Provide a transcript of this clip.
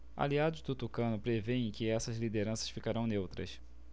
aliados do tucano prevêem que essas lideranças ficarão neutras